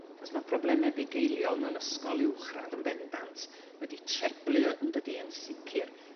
'chos ma' probleme bugeiliol mewn ysgol uwchradd yn bendant wedi treblu yrr yndydi? Yn sicir.